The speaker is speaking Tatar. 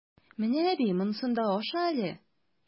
Менә, әби, монсын да аша әле!